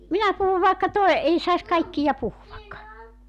minä puhun vaikka toden ei saisi kaikkia puhua